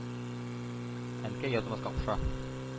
Әнкәй язмаска куша.